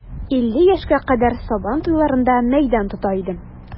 Илле яшькә кадәр сабан туйларында мәйдан тота идем.